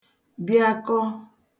bịakọ